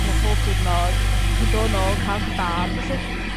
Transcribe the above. fathai pob diwrnod. 'Dach chi'n dod nôl, ca'l kebab, felly,